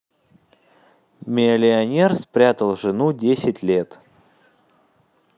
миллионер спрятал жену десять лет